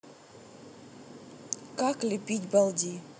как лепить балди